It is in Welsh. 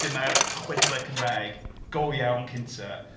Dyma'r chwedlau Cymraeg go iawn cyntaf